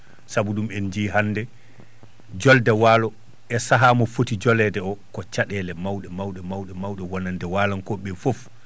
sabu ɗum en njiyii hannde jolde waalo e sahaa mo foti joleede o ko caɗeele mawɗe mawɗe mawɗe mawɗe wonande walankoiɓe ɓe fof